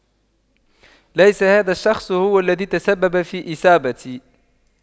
ليس هذا الشخص هو الذي تسبب في إصابتي